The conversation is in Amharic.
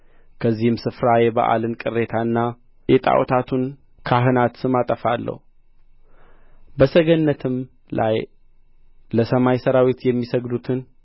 ከዚህም ስፍራ የበኣልን ቅሬታና የጣዖታቱን ካህናት ስም አጠፋለሁ በሰገነትም ላይ ለሰማይ ሠራዊት የሚሰግዱትን